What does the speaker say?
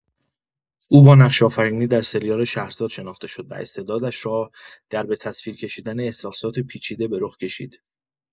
او با نقش‌آفرینی در سریال شهرزاد شناخته شد و استعدادش را در به تصویر کشیدن احساسات پیچیده به رخ کشید.